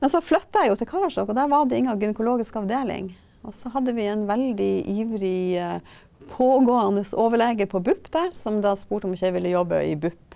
men så flytta jeg jo til Karasjok, og der var det inga gynekologisk avdeling, og så hadde vi en veldig ivrig, pågående overlege på BUP der som da spurte om ikke jeg ville jobbe i BUP